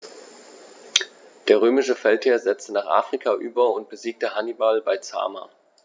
Der römische Feldherr setzte nach Afrika über und besiegte Hannibal bei Zama.